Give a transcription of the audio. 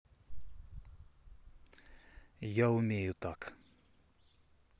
я умею так